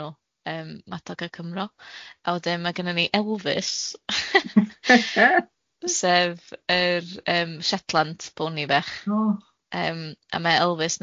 Ym Madog a Cymro, wedyn ma' gennon ni Elvis sef yr yym shetlan pony bach.